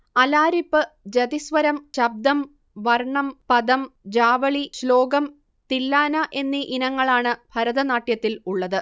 അലാരിപ്പ്, ജതിസ്വരം, ശബ്ദം, വർണം, പദം, ജാവളി, ശ്ലോകം, തില്ലാന എന്നീ ഇനങ്ങളാണ് ഭരതനാട്യത്തിൽ ഉള്ളത്